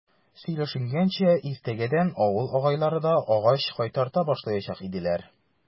Сөйләшенгәнчә, иртәгәдән авыл агайлары да агач кайтарта башлаячак иделәр.